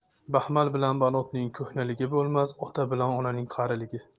baxmal bilan banotning ko'hnaligi bo'lmas ota bilan onaning qariligi